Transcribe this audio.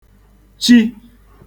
chi